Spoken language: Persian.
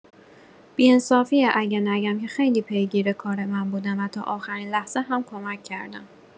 بی انصافیه اگه نگم که خیلی پیگیر کار من بودن و تا آخرین لحظه هم کمک کردن.